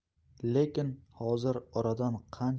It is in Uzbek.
lekin hozir oradan qancha vaqtlar o'tib